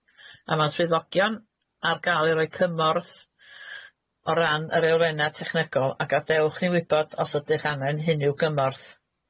A ma'n swyddogion ar gael i roi cymorth o ran yr elfenna technegol, a gadewch i ni wybod os ydych angen unrhyw gymorth.